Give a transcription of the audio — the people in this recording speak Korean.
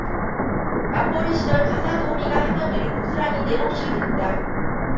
맞벌이 시절 가사도우미가 하던 일은 고스란히 내 몫이 됐다